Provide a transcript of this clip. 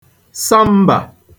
sambà